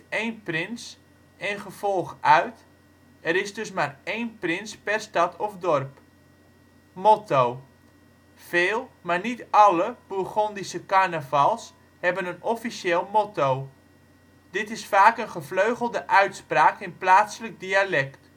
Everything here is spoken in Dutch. één prins (en gevolg) uit. Er is dus maar één prins per stad of dorp. Motto. Veel, maar niet alle, Bourgondische carnavals hebben een officieel motto. Dit is vaak een gevleugelde uitspraak in plaatselijk dialect